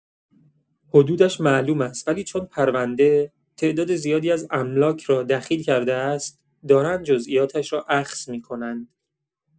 حدودش معلوم است ولی چون پرونده، تعداد زیادی از املاک را دخیل کرده است، دارند جزئیاتش را اخذ می‌کنند.